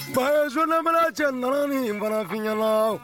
Fa ye soonaminɛ cɛ nana ni barafiny la